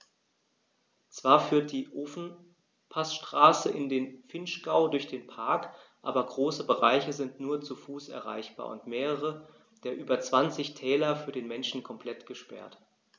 Zwar führt die Ofenpassstraße in den Vinschgau durch den Park, aber große Bereiche sind nur zu Fuß erreichbar und mehrere der über 20 Täler für den Menschen komplett gesperrt.